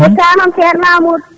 e taanam Theirno Amadou